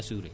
waaw